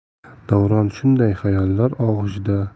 davron shunday xayollar og'ushida